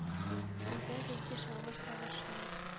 Үзәк өзгеч авыр сагышның.